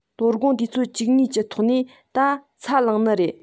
མདའ དགོང དུས ཚོད བཅུ གཉིས གི ཐོག ནས ད ཚ ལངས ནི རེད